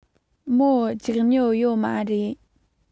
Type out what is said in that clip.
མོ རྒྱག མྱོད ཡོད མ རེད